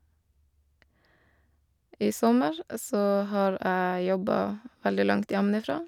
I sommer så har jeg jobba veldig langt hjemmefra.